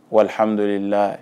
Wahamdulila